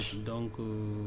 55